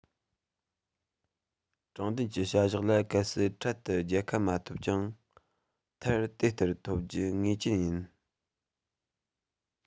དྲང བདེན གྱི བྱ བཞག ལ གལ སྲིད འཕྲལ དུ རྒྱལ ཁ མ ཐོབ ཀྱང མཐར དེ ལྟར འཐོབ རྒྱུ ངེས ཅན ཡིན